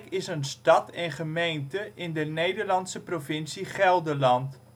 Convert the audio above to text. is een stad en gemeente in de Nederlandse provincie Gelderland